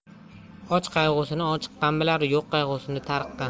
och qayg'usini ochiqqan bilar yo'q qayg'usini tariqqan